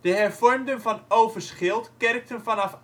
hervormden van Overschild kerkten vanaf